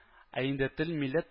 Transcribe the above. Ә инде тел милләт